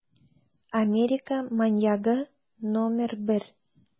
Америка маньягы № 1